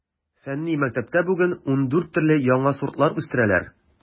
Фәнни мәктәптә бүген ундүрт төрле яңа сортлар үстерәләр.